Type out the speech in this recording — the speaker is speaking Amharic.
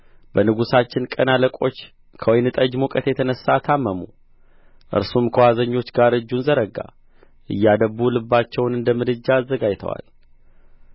በንጉሣችን ቀን አለቆች ከወይን ጠጅ ሙቀት የተነሣ ታመሙ እርሱም ከዋዘኞች ጋር እጁን ዘረጋ እያደቡ ልባቸውን እንደ ምድጃ አዘጋጅተዋል